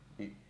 niin